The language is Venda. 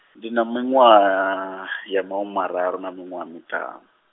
ndi na miṅwaha, ya mahumimararu na miṅwaha miṱanu.